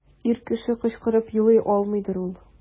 Ир кеше кычкырып елый алмыйдыр ул.